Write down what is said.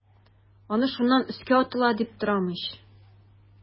Аны шуннан өскә атыла дип торам ич.